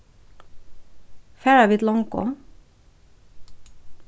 fara vit longu